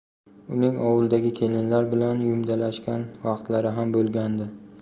uning ovuldagi kelinlar bilan yumdalashgan vaqtlari ham bo'lgandi